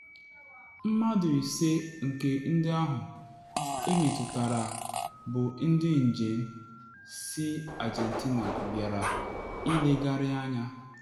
Mmadụ ise nke ndị ahụ emetụtara bụ ndị njem si Argentina bịara ịlegharị anya.